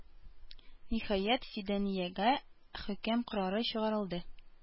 Ниһаять, Фиданиягә хөкем карары чыгарылды.